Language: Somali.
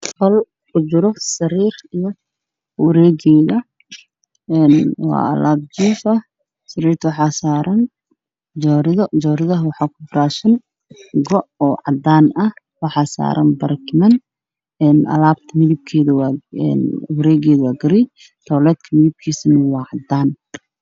Meeshaan waqool waxaa yaalla sariir midadkeedu waa caddaan waxaa kaloo yaala armaajo